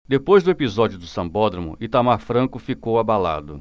depois do episódio do sambódromo itamar franco ficou abalado